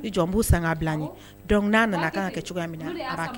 Ni jɔ b'u san bila n'a nana ka kan kɛ cogoya min na a b'a kɛ